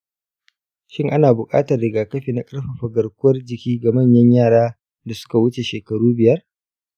shin ana bukatar rigakafi na ƙarfafa garkuwar jiki ga manyan yara da suka wuce shekaru biyar?